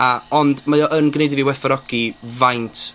A, ond mae o yn gneud i fi werthfawrogi faint